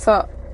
So,